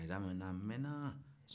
a daminɛna a mɛnna